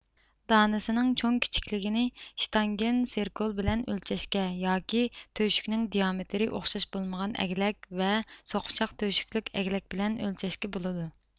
دانىسننىڭ چوڭ كىچىكلىكىنى شتانگېنسركول بىلەن ئۆلچەشكە ياكى تۆشۈكنىڭ دېئامېتىرى ئوخشاش بولمىغان ئەگلەك ۋە سوقىچاق تۆشۈكلۈك ئەگلەك بىلەن ئۆلچەشكە بولىدۇ